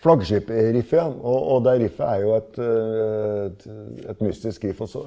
flaggskipriffet ja og og det riffet er jo et et mystisk riff også.